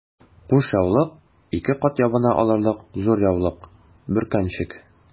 Кушъяулык— ике кат ябына алырлык зур яулык, бөркәнчек...